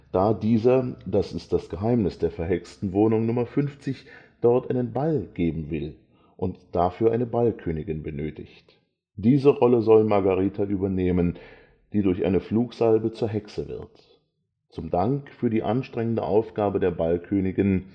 da dieser – das ist das Geheimnis der verhexten Wohnung Nr. 50 – dort einen Ball geben will und dafür eine „ Ballkönigin “benötigt. Diese Rolle soll Margarita übernehmen, die durch eine Flugsalbe zur Hexe wird. Zum Dank für die anstrengende Aufgabe der Ballkönigin